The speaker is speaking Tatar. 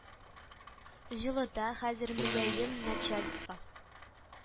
Җылыта хәзер мөлаем начальство